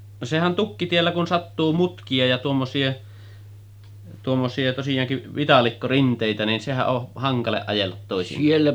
no sehän tukkitiellä kun sattuu mutkia ja tuommoisia tuommoisia vitalikkorinteitä niin sehän on hankala ajella toisinaan